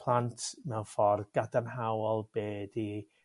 plant mewn ffor' gadarnhaol be' 'di